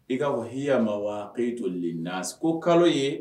ko kalo ye